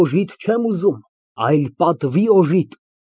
ՄԱՐԳԱՐԻՏ ֊ (Մոտենում է, օգնում փողկապը կապելու) Քեզ համար հեշտ է այդ ասել։